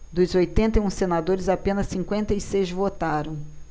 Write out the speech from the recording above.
dos oitenta e um senadores apenas cinquenta e seis votaram